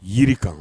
Jiri kan